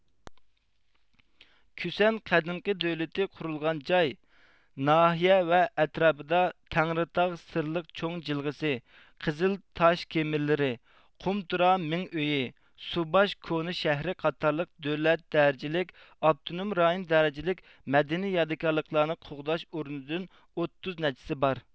كۈسەن قەدىمكى دۆلىتى قۇرۇلغان جاي ناھىيە ۋە ئەتراپىدا تەڭرىتاغ سىرلىق چوڭ جىلغىسى قىزىل تاشكېمىرلىرى قۇمتۇرا مېڭئۆيى سۇباش كونا شەھىرى قاتارلىق دۆلەت دەرىجىلىك ئاپتونوم رايون دەرىجىلىك مەدەنىي يادىكارلىقلارنى قوغداش ئورنىدىن ئوتتۇز نەچچىسى بار